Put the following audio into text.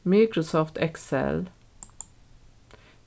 microsoft excel